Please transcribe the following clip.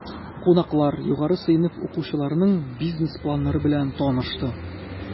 Кунаклар югары сыйныф укучыларының бизнес планнары белән танышты.